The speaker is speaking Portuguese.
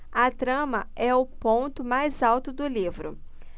a trama é o ponto mais alto do livro